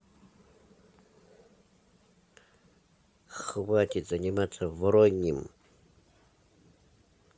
хватит заниматься вороньим